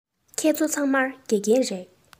ཁྱེད ཚོ ཚང མ དགེ རྒན རེད